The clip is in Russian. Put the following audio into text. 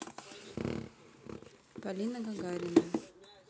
полина гагарина